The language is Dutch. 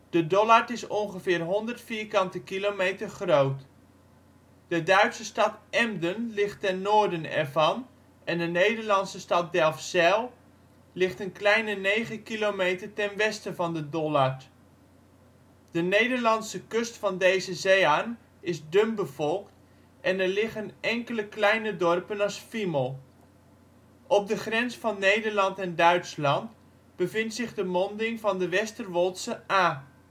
De Dollard is ongeveer 100 vierkante kilometer groot. De Duitse stad Emden ligt ten noorden ervan en de Nederlandse stad Delfzijl ligt een kleine negen kilometer ten westen van de Dollard. De Nederlandse kust van deze zeearm is dunbevolkt en er liggen enkele kleine dorpen als Fiemel. Op de grens van Nederland en Duitsland bevindt zich de monding van de Westerwoldse Aa